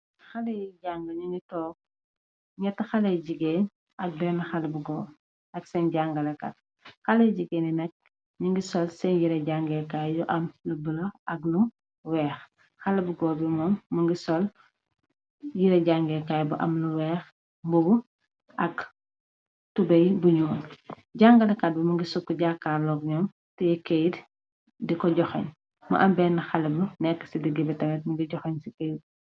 Xale jang ñu ngi togg, ñetti xale jigéeñ ak benne xale bu goor ak seen jangalakat, xale jigéen yi nekk ñu ngi sol seen yire jangeekaay yu am lu bula ak lu weex, xale bu goor bi moom mu ngi sol yire jangeekaaay bu am lu weex mbubu, ak tubey bu ñuul, jangalakat bi mu ngi sukk jaakaar loog ñoom teye këyit di ko joxe, mu am benne xale bu nekk ci digg bi tamit mi ngi joxe ci këyit yi